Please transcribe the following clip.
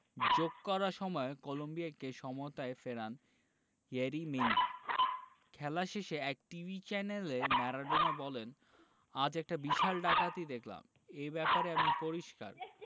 যোগ করা সময়ে কলম্বিয়াকে সমতায় ফেরান ইয়েরি মিনা খেলা শেষে এক টিভি চ্যানেলে ম্যারাডোনা বলেন আজ একটা বিশাল ডাকাতি দেখলাম এ ব্যাপারে আমি পরিষ্কার